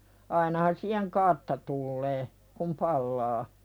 ainahan siihen kartta tulee kun palaa